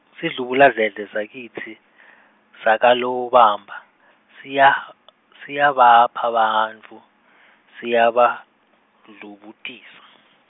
sidlubuladledle sakitsi, sakaLobamba, siya siyabapha bantfu, siyabadlubutisa.